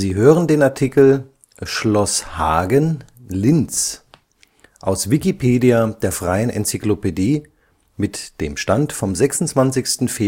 hören den Artikel Schloss Hagen (Linz), aus Wikipedia, der freien Enzyklopädie. Mit dem Stand vom Der